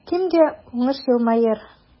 Кемгә уңыш елмаер?